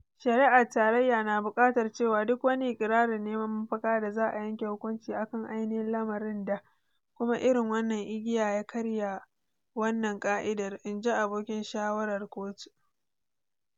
“Shari’ar Tarayya na bukatar cewa duk wani ikirarin neman mafaka da za a yanke hukunci a kan ainihin lamarin da, kuma irin wannan igiya ya karya wannan ka'idar, "in ji abokin shawarar kotu.